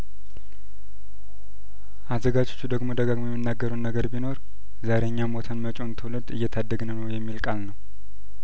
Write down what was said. አዘጋጆቹ ደግመው ደጋግመው የሚናገሩት ነገር ቢኖር ዛሬ እኛ ሞተን መጪውን ትውልድ እንታደገው የሚል ቃል ነው